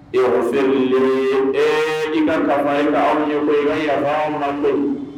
Yo selen le ka ni yafa ma